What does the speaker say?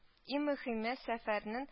Иң мөһиме – сәфәрнен